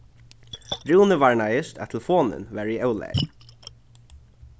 rúni varnaðist at telefonin var í ólagi